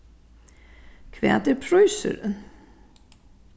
hvat er prísurin